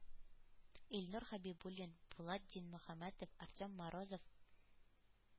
Илнур Хәбибуллин, Булат Динмөхәммәтов, Артем Морозов,